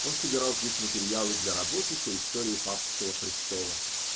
Он собирал здесь материалы для работы по истории папского престола.